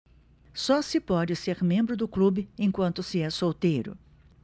só se pode ser membro do clube enquanto se é solteiro